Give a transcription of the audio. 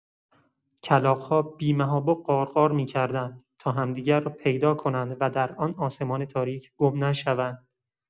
کلاغ‌ها بی‌محابا غارغار می‌کردند تا همدیگر را پیدا کنند و در آن آسمان تاریک گم نشوند.